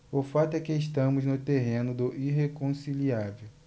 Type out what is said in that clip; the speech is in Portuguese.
o fato é que estamos no terreno do irreconciliável